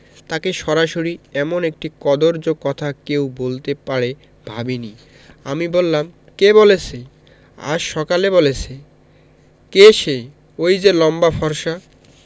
তাকে সরাসরি এমন একটি কদৰ্য কথা কেউ বলতে পারে ভাবিনি আমি বললাম কে বলেছে আজ সকালে বলেছে কে সে ঐ যে লম্বা ফর্সা